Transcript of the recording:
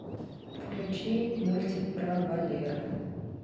включи мультик про валеру